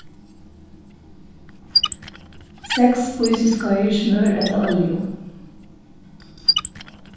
seks spísiskeiðir smør ella olju